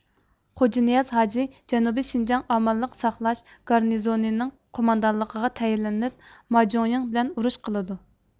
خوج انىياز ھاجى جەنۇبىي شىنجاڭ ئامانلىق ساقلاش گارنىزونىنىڭ قوماندانلىقىغا تەيىنلىنىپ ما جۇڭيىڭ بىلەن ئۇرۇش قىلىدۇ